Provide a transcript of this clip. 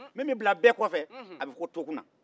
min be bila bɛɛ kɔfɛ a bɛ fɔ o ma ko tokunna'